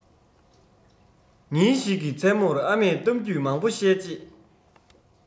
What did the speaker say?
ཉིན ཞིག གི མཚན མོར ཨ མས གཏམ རྒྱུད མང པོ བཤད རྗེས